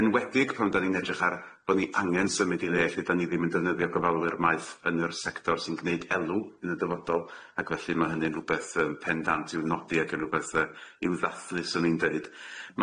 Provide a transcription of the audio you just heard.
Yn enwedig pan 'dan ni'n edrych ar bo' ni angen symud i le lle 'dan ni ddim yn defnyddio gofalwyr maeth yn yr sector sy'n gneud elw yn y dyfodol ac felly ma' hynny'n rwbeth yy pendant i'w nodi ag yn rwbeth yy i'w ddathlu 'swn i'n deud.